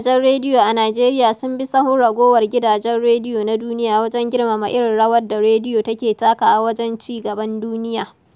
Gidajen rediyo a Nijeriya sun bi sahun ragowar gidajen rediyo na duniya wajen girmama irin rawar da radiyo take takawa wajen ci-gaban duniya.